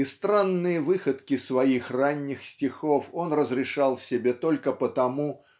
и странные выходки своих ранних стихов он разрешал себе только потому